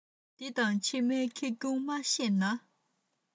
འདི དང ཕྱི མའི ཁེ གྱོང མ ཤེས ན